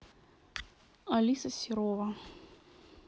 алиса серова